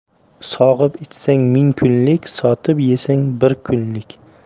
sog'ib ichsang ming kunlik sotib yesang bir kunlik